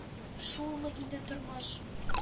Шулмы инде тормыш!